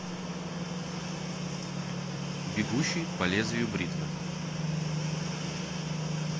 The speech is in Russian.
бегущий по лезвию бритвы